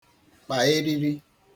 kpà eriri